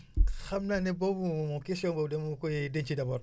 xam naa ne boobu moom question boobu dama la koy denc d' abord